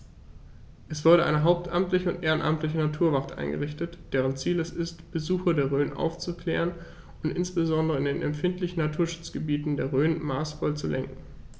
Es wurde eine hauptamtliche und ehrenamtliche Naturwacht eingerichtet, deren Ziel es ist, Besucher der Rhön aufzuklären und insbesondere in den empfindlichen Naturschutzgebieten der Rhön maßvoll zu lenken.